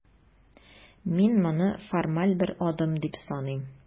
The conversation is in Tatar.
Мин моны формаль бер адым дип саныйм.